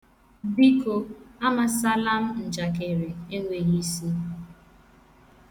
Biko, amasala m njakịrị enweghị isi.